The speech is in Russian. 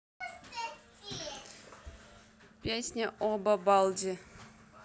песня обо балди